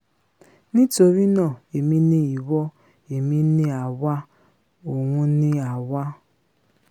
Nítorí náà Èmi ni ìwọ, Èmi ni àwa, òhun ni àwa.